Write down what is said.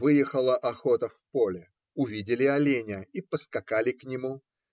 Выехала охота в поле; увидели оленя и поскакали к нему.